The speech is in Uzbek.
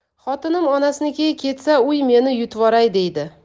xotinim onasinikiga ketsa uy meni yutvoray deydi